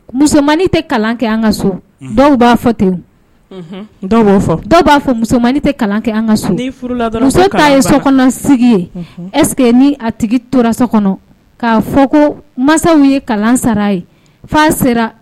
Dɔw b'a fɔ dɔw' fɔ dɔw b'a so ɛseke ni a tigi toraso kɔnɔ k'a fɔ ko masa ye kalan sara ye sera